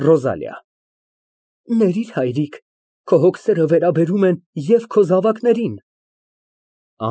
ՌՈԶԱԼԻԱ ֊ Ներիր, հայրիկ, քո հոգսերը վերաբերում են և քո զավակներին։